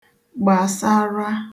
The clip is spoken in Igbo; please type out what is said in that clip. gbasara